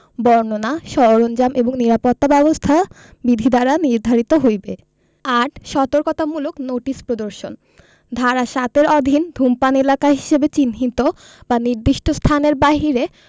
বর্ণনা সরঞ্জাম এবং নিরাপত্তা ব্যবস্থা বিধি দ্বারা নির্ধারিত হইবে ৮ সতর্কতামূলক নোটিশ প্রদর্শন ধারা ৭ এর অধীন ধুমপান এলাকা হিসাবে চিহ্নিত বা নির্দিষ্ট স্থানের বাহিরে